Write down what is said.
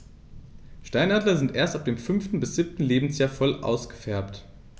Steinadler sind erst ab dem 5. bis 7. Lebensjahr voll ausgefärbt.